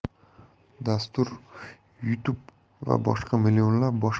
dastur youtube va boshqa millionlab